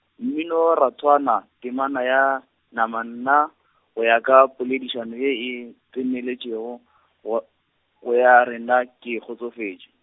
Mminorathwana, Temana ya, inama nna, o ya ka poledišano ye e, tseneletšego , wo-, go ya rena ke kgotsofetše.